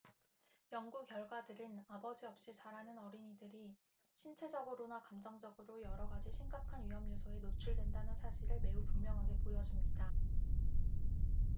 연구 결과들은 아버지 없이 자라는 어린이들이 신체적으로나 감정적으로 여러가지 심각한 위험 요소에 노출된다는 사실을 매우 분명하게 보여 줍니다